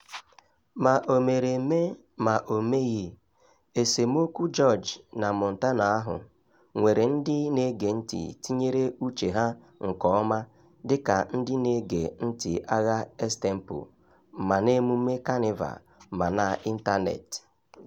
Ma o mere eme ma o meghị, esemokwu George/Montano ahụ nwere ndị na-ege ntị tinyere uche ha nke ọma dịka ndị na-ege ntị agha estempo, ma na emume Kanịva ma n'ịntaneetị.